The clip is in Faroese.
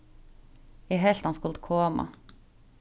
eg helt hann skuldi koma